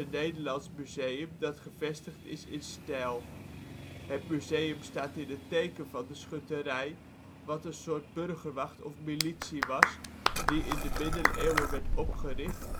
Nederlands museum dat gevestigd is in Steyl. Het museum staat in het teken van de Schutterij, wat een soort burgerwacht of militie was die in de Middeleeuwen werd opgericht